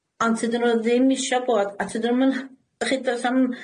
Ond tydyn nw ddim isio bod, a tydyn nw'm yn ch- ychi'n do's a'm